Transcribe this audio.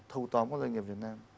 thâu tóm các doanh nghiệp việt nam